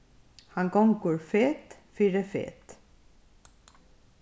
hann gongur fet fyri fet